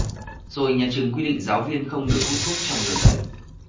rồi nhà trường quy định giáo viên không được hút thuốc trong giờ dạy